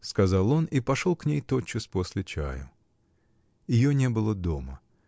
— сказал он и пошел к ней тотчас после чаю. Ее не было дома.